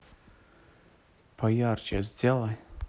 поярче сделай